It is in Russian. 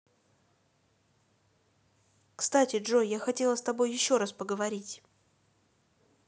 кстати джой я хотела с тобой еще раз поговорить